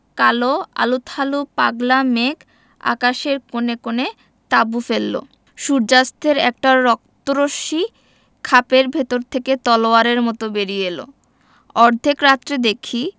কাল আলুথালু পাগলা মেঘ আকাশের কোণে কোণে তাঁবু ফেললো সূর্য্যাস্তের একটা রক্ত রশ্মি খাপের ভেতর থেকে তলোয়ারের মত বেরিয়ে এল অর্ধেক রাত্রে দেখি